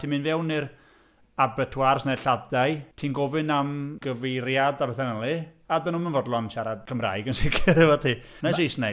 A ti'n mynd i mewn i'r abattoirs neu'r lladd-dai, ti'n gofyn am gyfeiriad a petha fel 'ny, a 'dyn nhw ddim yn fodlon siarad Cymraeg yn sicr efo ti ... Na. ...Na Saesneg.